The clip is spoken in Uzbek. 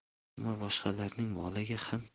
ammo boshqalarning moliga ham